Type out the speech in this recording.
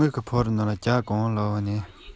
ཕོར པའི གཡས གཡོན དུ ཙོག སྟེ